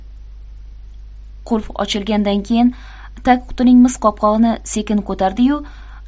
qulf ochilgandan keyin tagqutining mis qopqog'ini sekin ko'tardi yu